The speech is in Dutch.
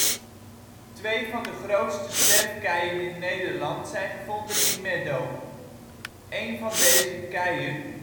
Twee van de grootste zwerfkeien in Nederland zijn gevonden in Meddo. Eén van deze keien